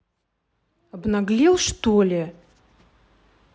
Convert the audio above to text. обнаглел что ли